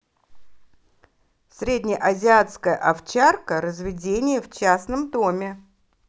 среднеазиатская овчарка разведение в частном доме